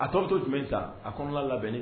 A tɔɔrɔ to jumɛn ta a kɔnɔna labɛnni